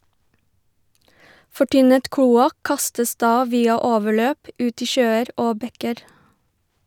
Fortynnet kloakk kastes da via overløp ut i sjøer og bekker.